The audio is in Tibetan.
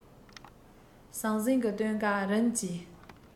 ཟང ཟིང གི སྟོན ཀ རིམ གྱིས